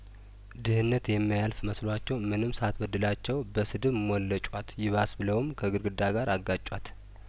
ድህነት የማያልፍ መስሏቸው ምንም ሳትበድላቸው በስድብ ሞለጯት ይባስ ብለውም ከግድግዳ ጋር አጋጯት